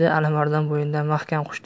alimardon bo'ynidan mahkam quchdi yu